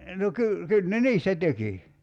no - kyllä ne niistä teki